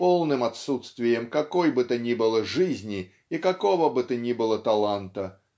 полным отсутствием какой бы то ни было жизни и какого бы то ни было таланта